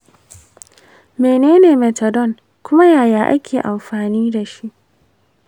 menene methadone kuma yaya ake amfani da shi?